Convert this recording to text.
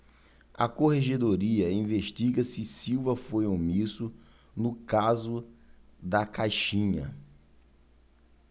a corregedoria investiga se silva foi omisso no caso da caixinha